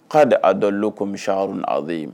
'a de'a dɔ l komi haruna a bɛyi